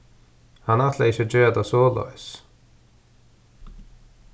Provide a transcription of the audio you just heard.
hann ætlaði ikki gera tað soleiðis